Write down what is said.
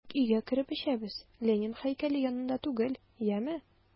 Тик өйгә кереп эчәбез, Ленин һәйкәле янында түгел, яме!